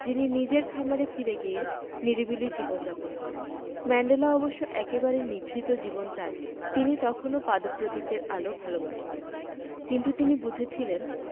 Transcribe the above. যিনি নিজের খামারে ফিরে গিয়ে নিরিবিলি জীবন যাপন করেন ম্যান্ডেলা অবশ্য একেবারে নিভৃত জীবন চাননি তিনি তখনো পাদপ্রদীপের আলো ভালোবাসতেন কিন্তু তিনি বুঝেছিলেন